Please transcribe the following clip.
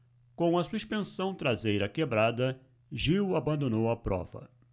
com a suspensão traseira quebrada gil abandonou a prova